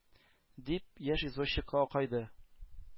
- дип, яшь извозчикка акайды.